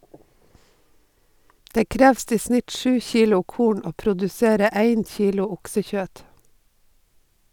Det krevst i snitt sju kilo korn å produsere ein kilo oksekjøt.